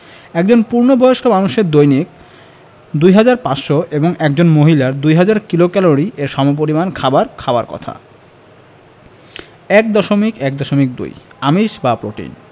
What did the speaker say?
একজন পূর্ণবয়স্ক মানুষের দৈনিক ২৫০০ এবং একজন মহিলার ২০০০ কিলোক্যালরি এর সমপরিমান খাবার খাওয়ার কথা ১.১.২ আমিষ বা প্রোটিন